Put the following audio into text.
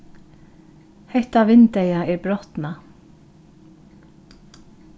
hetta vindeygað er brotnað